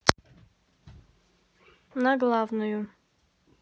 на главную